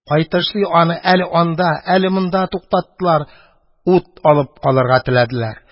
Кайтышлый аны әле анда, әле монда туктаттылар, ут алып калырга теләделәр.